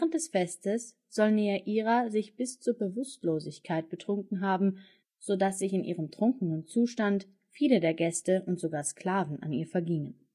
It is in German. des Festes soll Neaira sich bis zur Bewusstlosigkeit betrunken haben, so dass sich in ihrem trunkenen Zustand viele der Gäste und sogar Sklaven an ihr vergingen